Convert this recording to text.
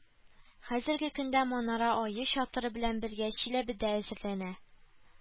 Хәзерге көндә манара ае чатыры белән бергә Чиләбедә әзерләнә